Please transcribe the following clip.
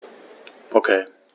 Okay.